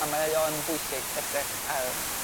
a mae o yn bwysig edrych ar